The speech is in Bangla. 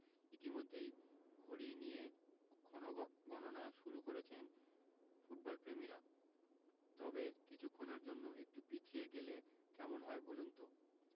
ইতিমধ্যেই ঘড়ি নিয়ে ক্ষণগণনা শুরু করেছেন ফুটবলপ্রেমীরা তবে কিছুক্ষণের জন্য একটু পিছিয়ে গেলে কেমন হয় বলুন তো